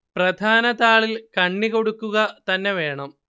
പ്രധാന താളിൽ കണ്ണി കൊടുക്കുക തന്നെ വേണം